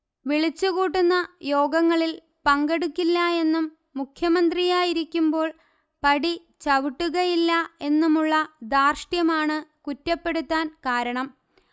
വിളിച്ചുകൂട്ടുന്ന യോഗങ്ങളിൽ പങ്കെടുക്കില്ല എന്നും മുഖ്യമന്ത്രിയായിരിക്കുമ്പോൾ പടി ചവിട്ടുകയില്ല എന്നുമുള്ള ധാർഷ്ട്യമാണ് കുറ്റപ്പെടുത്താൻകാരണം